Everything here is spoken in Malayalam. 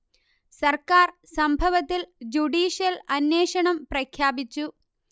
സർക്കാർ സംഭവത്തിൽ ജുഡീഷ്യൽ അന്വേഷണം പ്രഖ്യാപിച്ചു